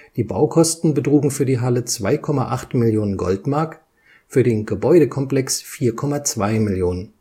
Die Baukosten betrugen für die Halle 2,8 Millionen Goldmark, für den Gebäudekomplex 4,2 Millionen